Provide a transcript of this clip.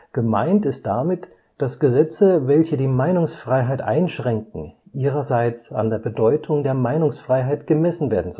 Gemeint ist damit, dass Gesetze, welche die Meinungsfreiheit einschränken, ihrerseits an der Bedeutung der Meinungsfreiheit gemessen werden